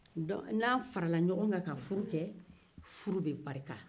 dɔnki n'a fara la ɲɔgɔn kan ka furu kɛ furu bɛ barika